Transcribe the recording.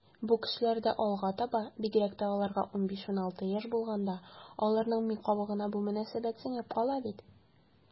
Бу кешеләрдә алга таба, бигрәк тә аларга 15-16 яшь булганда, аларның ми кабыгына бу мөнәсәбәт сеңеп кала бит.